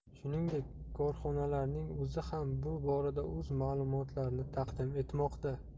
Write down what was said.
shuningdek korxonalarning o'zi ham bu borada o'z ma'lumotlarini taqdim etmoqda